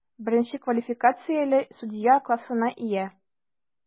Беренче квалификацияле судья классына ия.